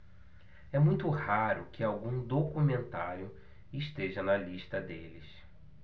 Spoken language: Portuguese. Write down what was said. é muito raro que algum documentário esteja na lista deles